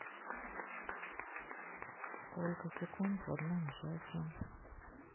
сколько секунд в одном часе